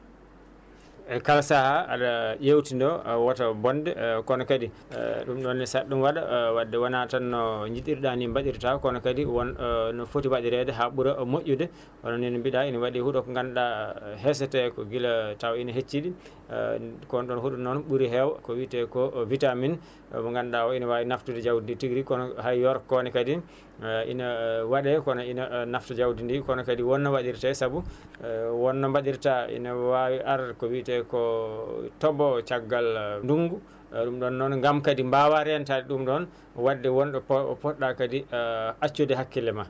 e kala saaha aɗa ƴewtindo woto bonde kono kadi ɗum ɗon saɗa ɗum waɗa wadde wona tan no jiɗirɗani mbaɗirta kono kadi woon no footi waɗirede ha ɓuura moƴƴude hono ni no mbiɗa ina waɗi huuɗo ko ganduɗa heseteko guila taw ina hecciɗi koon ɗon huuɗo noon ɓuuri heew ko wii te ko vitamine mo ganduɗa o ene wawi naftude jawdi ndi tigii rigii kono hay yorko kone kadi ina waɗe kono ina nafta jawdi ndi kono kadi wonna waɗirte saabu wonno mbaɗirta ina wawi aar ko wii te ko tooɓo cagngal ndugngu ɗum ɗon noon gaam kadi mbawa rentade ɗum ɗon wadde woon ɗo poɗɗa kadi accude hakklle ma